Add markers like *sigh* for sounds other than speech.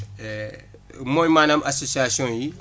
*hesitation* mooy maanaam associations yi